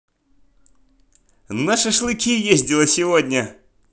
на шашлыки ездила сегодня